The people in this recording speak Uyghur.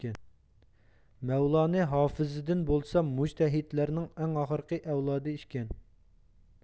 مەۋلانە ھافىزىددىن بولسا مۇجتەھىدلەرنىڭ ئەڭ ئاخىرقى ئەۋلادى ئىكەن